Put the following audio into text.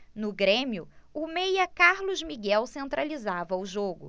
no grêmio o meia carlos miguel centralizava o jogo